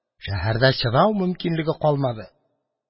Шәһәрдә чыдау мөмкинлеге калмады.